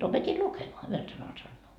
opetin lukemaan yhdellä sanalla sanoo